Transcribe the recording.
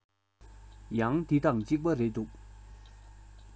ཡང འདི དང ཅིག པ རེད འདུག